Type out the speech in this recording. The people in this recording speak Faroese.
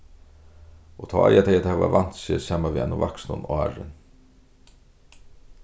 og tá eiga tey at hava vant seg saman við einum vaksnum áðrenn